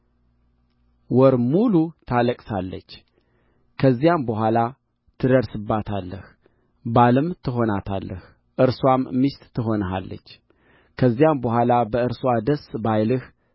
ወር ሙሉ ታለቅሳለች ከዚያም በኋላ ትደርስባታለህ ባልም ትሆናታለህ እርስዋም ሚስት ትሆንልሃለች ከዚያም በኋላ በእርስዋ ደስ ባይልህ